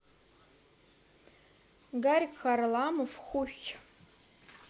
гарик харламов хухь